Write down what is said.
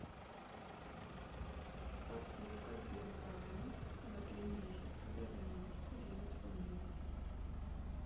подписка сберпрайм на три месяца за девяносто девять рублей